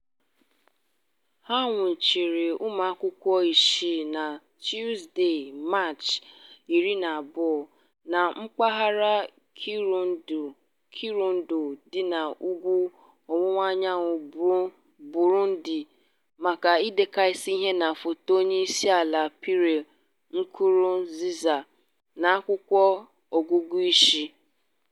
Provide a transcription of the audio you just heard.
Ha nwụchiri ụmụakwụkwọ isii na Tuzdee, Maachị 12, na mpaghara Kirundo dị na ugwu ọwụwaanyanwụ Burundi maka idekasị ihe na foto Onyeisiala Pierre Nkurunziza n'akwụkwọ ọgụgụ ise.